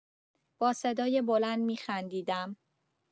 با صدای بلند می‌خندیدم.